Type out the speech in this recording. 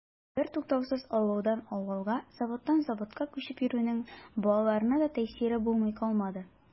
Бертуктаусыз авылдан авылга, заводтан заводка күчеп йөрүнең балаларына да тәэсире булмый калмады.